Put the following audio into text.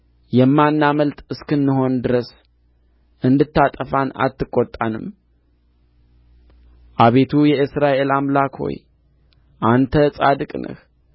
የማናመልጥ እስክንሆን ድረስ እንድታጠፋን አትቈጣንም አቤቱ የእስራኤል አምላክ ሆይ አንተ ጻድቅ ነህ